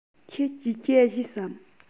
ཁྱེད ཀྱིས ཇ བཞེས སམ